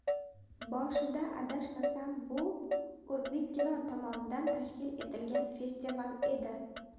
boshida adashmasam bu o'zbekkino tomonidan tashkil etilgan festival edi